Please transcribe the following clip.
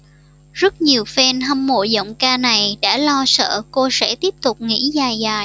rất nhiều fan hâm mộ giọng ca này đã lo sợ cô sẽ tiếp tục nghỉ dài dài